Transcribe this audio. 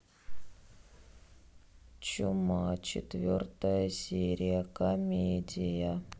чума четвертая серия комедия